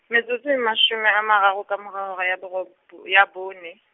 metsotso e mashome a mararo ka mora ho hora ya borob-, ya bone.